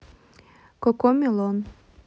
cocomelon